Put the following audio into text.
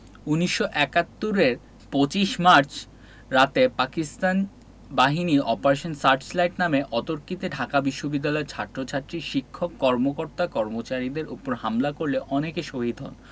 ১৯৭১ এর ২৫ মার্চ রাতে পাকিস্তান বাহিনী অপারেশন সার্চলাইট নামে অতর্কিতে ঢাকা বিশ্ববিদ্যালয়ের ছাত্রছাত্রী শিক্ষক কর্মকর্তা কর্মচারীদের উপর হামলা করলে অনেকে শহীদ হন